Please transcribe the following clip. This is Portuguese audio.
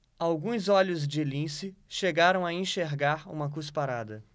alguns olhos de lince chegaram a enxergar uma cusparada